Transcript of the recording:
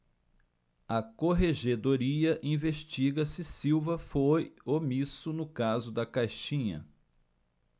a corregedoria investiga se silva foi omisso no caso da caixinha